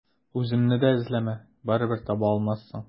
Үземне дә эзләмә, барыбер таба алмассың.